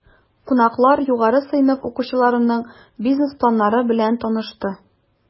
Кунаклар югары сыйныф укучыларының бизнес планнары белән танышты.